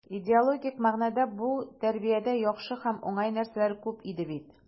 Идеологик мәгънәдә бу тәрбиядә яхшы һәм уңай нәрсәләр күп иде бит.